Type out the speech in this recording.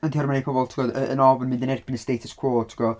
Yndi oherwydd mae pobl tibod yy yn ofn mynd yn erbyn y status quo ti'n gwybod?